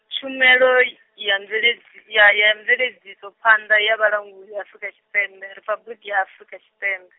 Tshumelo, ya Mveledz- ya ya mveledzisophanḓa ya Vhalanguli Afrika Tshipembe, Riphabuḽiki ya Afrika Tshipembe.